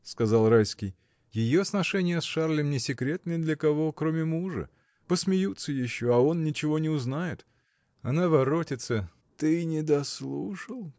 — сказал Райский, — ее сношения с Шарлем не секрет ни для кого, кроме мужа: посмеются еще, а он ничего не узнает. Она воротится. — Ты не дослушал.